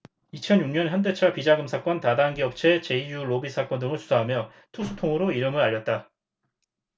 이천 육 년 현대차 비자금 사건 다단계 업체 제이유 로비 사건 등을 수사하며 특수통으로 이름을 알렸다